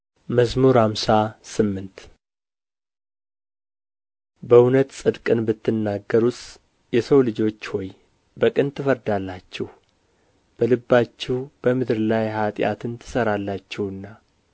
መዝሙር ሃምሳ ስምንት በእውነት ጽድቅን ብትናገሩስ የሰው ልጆች ሆይ በቅን ትፈርዳላችሁ በልባችሁ በምድር ላይ ኃጢአትን ትሠራላችሁና